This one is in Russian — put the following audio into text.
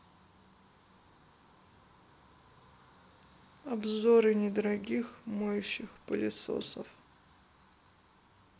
обзоры недорогих моющих пылесосов